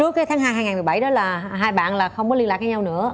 trước cái tháng hai hai ngàn mười bảy đó là hai bạn là không có liên lạc nhau nữa